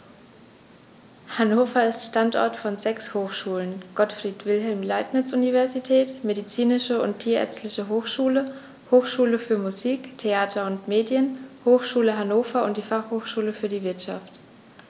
Hannover ist Standort von sechs Hochschulen: Gottfried Wilhelm Leibniz Universität, Medizinische und Tierärztliche Hochschule, Hochschule für Musik, Theater und Medien, Hochschule Hannover und die Fachhochschule für die Wirtschaft.